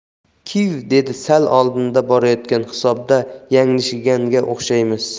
kiv dedi sal oldinda borayotgani hisobda yanglishganga o'xshaymiz